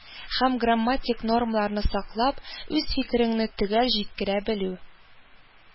Һəм грамматик нормаларны саклап, үз фикереңне төгəл җиткерə белү;